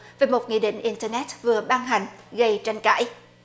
về một nghị định in tơ nét vừa ban hành gây tranh cãi